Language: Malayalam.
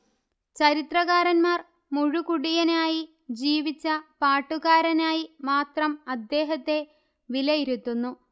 ചരിത്രകാരന്മാർ മുഴുക്കുടിയനായി ജീവിച്ച പാട്ടുകാരനായി മാത്രം അദ്ദേഹത്തെ വിലയിരുത്തുന്നു